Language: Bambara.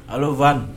Allo Van